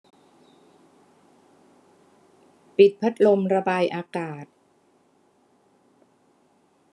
ปิดพัดลมระบายอากาศ